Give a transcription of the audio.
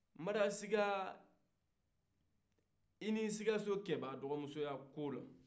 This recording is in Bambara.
nsigara i nin sikaso cɛba dɔgɔmuso ka ko la